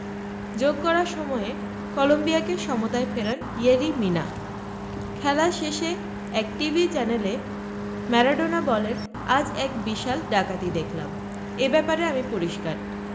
যোগ করা সময়ে কলম্বিয়াকে সমতায় ফেরান ইয়েরি মিনা খেলা শেষে এক টিভি চ্যানেলে ম্যারাডোনা বলেন আজ একটা বিশাল ডাকাতি দেখলাম এ ব্যাপারে আমি পরিষ্কার